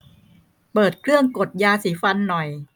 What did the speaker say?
เปิดเครื่องกดยาสีฟันหน่อย